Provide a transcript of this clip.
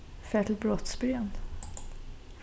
far til brotsbyrjan